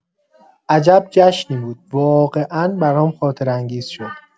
عجب جشنی بود، واقعا برام خاطره‌انگیز شد.